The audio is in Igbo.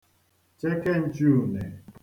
chekenchēùnè